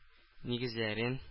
Нигезләрен